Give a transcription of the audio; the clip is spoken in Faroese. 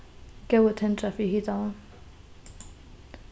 góði tendra fyri hitanum